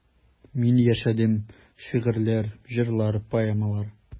Мин яшәдем: шигырьләр, җырлар, поэмалар.